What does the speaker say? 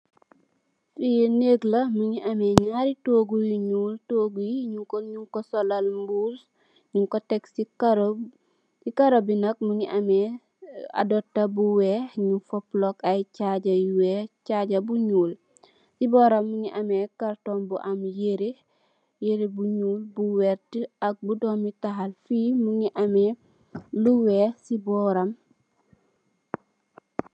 Lii neeg la, mu ngi am ñaari toogu yu solal mbuusi, ñung ko tek si karo. Si karo bi nak, mu ngi amee adopta bu weex, ñung fa tek, ay caaja bu weex caaja bu ñuul, si bóoram, mu ngi am, kartoñg bu am yire, yire bu ñuul, bu werta, ak bu döömi tall. Fii mu ngi amee, lu weex, si bóoram,